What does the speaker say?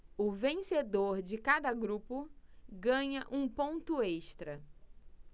o vencedor de cada grupo ganha um ponto extra